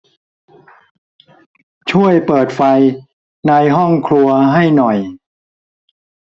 ช่วยเปิดไฟในห้องครัวให้หน่อย